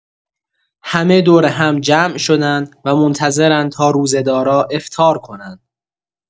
همه دور هم جمع شدن و منتظرن تا روزه‌دارا افطار کنن.